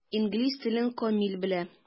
Инглиз телен камил белә.